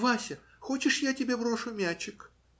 - Вася, хочешь, я тебе брошу мячик?